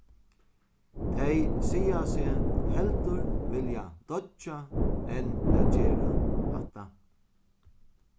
tey siga seg heldur vilja doyggja enn at gera hatta